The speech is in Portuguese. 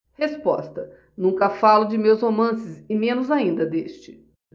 resposta nunca falo de meus romances e menos ainda deste